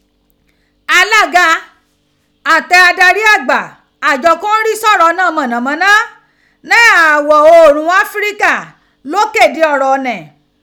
Alaga ati adari agba ajọ ko n ri sọrọ ina mọnamọna ni igha ighọ oorun Afrika lo kede ọ̀rọ̀ ni.